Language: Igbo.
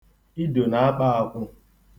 Ido na-akpa akwụ.